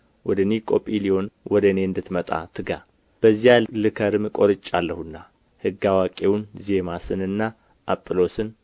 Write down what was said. ወደ ኒቆጵልዮን ወደ እኔ እንድትመጣ ትጋ በዚያ ልከርም ቈርጬአለሁና ሕግ አዋቂውን ዜማስንና አጵሎስን